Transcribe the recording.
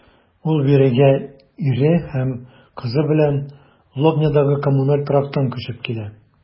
Ул бирегә ире һәм кызы белән Лобнядагы коммуналь торактан күчеп килә.